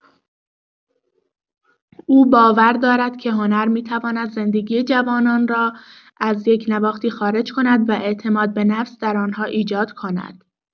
او باور دارد که هنر می‌تواند زندگی جوانان را از یکنواختی خارج کند و اعتماد به نفس در آن‌ها ایجاد کند.